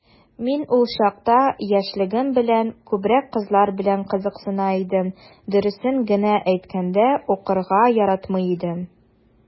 Мин ул чакта, яшьлегем белән, күбрәк кызлар белән кызыксына идем, дөресен генә әйткәндә, укырга яратмый идем...